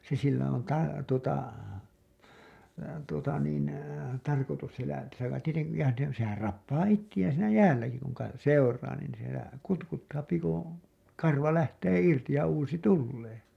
se sillä on - tuota tuota niin tarkoitus siellä sillä tietenkin ja ne sehän rappaa itseään siinä jäälläkin kun - seuraa niin siellä kutkuttaa kun karva lähtee irti ja uusi tulee